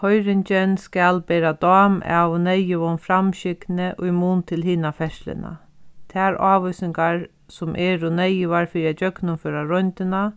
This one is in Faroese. koyringin skal bera dám av neyðugum framskygni í mun til hina ferðsluna tær ávísingar sum eru neyðugar fyri at gjøgnumføra royndina